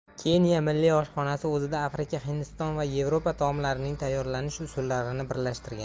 keniya milliy oshxonasi o'zida afrika hindiston va yevropa taomlarining tayyorlanish usullarini birlashtirgan